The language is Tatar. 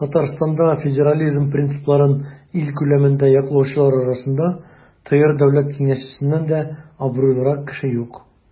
Татарстанда федерализм принципларын ил күләмендә яклаучылар арасында ТР Дәүләт Киңәшчесеннән дә абруйлырак кеше юк.